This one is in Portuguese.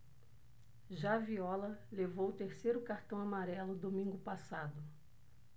já viola levou o terceiro cartão amarelo domingo passado